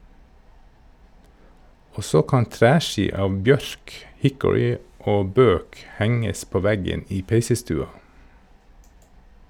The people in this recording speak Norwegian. Og så kan treski av bjørk, hickory og bøk henges på veggen i peisestua.